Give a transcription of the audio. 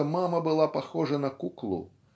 что мама была похожа на куклу